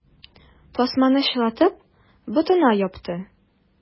Тастымал чылатып, ботына япты.